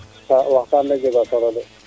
a waxtaan le jega solo